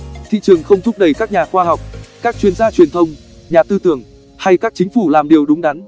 thị trường không thúc đẩy các nhà khoa học các chuyên gia truyền thông nhà tư tưởng hay các chính phủ làm điều đúng đắn